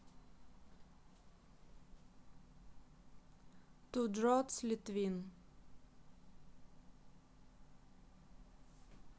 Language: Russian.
2drots литвин